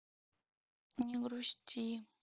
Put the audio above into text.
не грусти